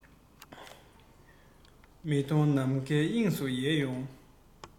མི མཐོང ནམ མཁའི དབྱིངས སུ ཡལ སོང